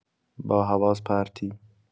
با حواس‌پرتی